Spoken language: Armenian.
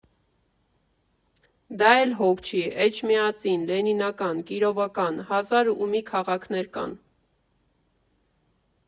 Դա էլ հոգ չի, Էջմիածին, Լենինական, Կիրովական, հազար ու մի քաղաքներ կան։